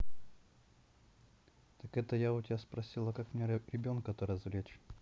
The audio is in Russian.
так это я у тебя спросила как мне ребенка то развлечь